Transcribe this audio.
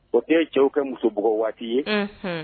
O tɛ ye cɛw kɛ musoug waati ye